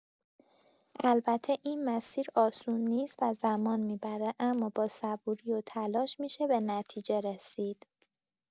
البته این مسیر آسون نیست و زمان می‌بره، اما با صبوری و تلاش می‌شه به نتیجه رسید.